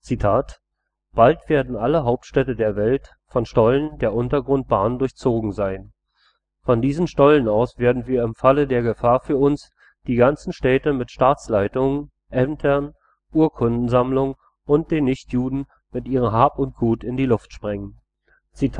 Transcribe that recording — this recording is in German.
Bald werden alle Hauptstädte der Welt von Stollen der Untergrundbahnen durchzogen sein. Von diesen Stollen aus werden wir im Falle der Gefahr für uns die ganzen Städte mit Staatsleitungen, Ämtern, Urkundensammlungen und den Nichtjuden mit ihrem Hab und Gut in die Luft sprengen. “Die